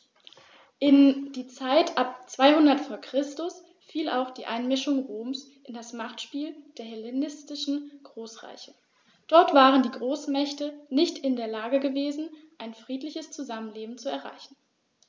In die Zeit ab 200 v. Chr. fiel auch die Einmischung Roms in das Machtspiel der hellenistischen Großreiche: Dort waren die Großmächte nicht in der Lage gewesen, ein friedliches Zusammenleben zu erreichen.